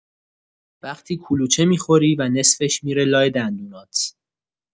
وقتی کلوچه می‌خوری و نصفش می‌ره لای دندونات!